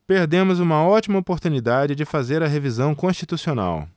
perdemos uma ótima oportunidade de fazer a revisão constitucional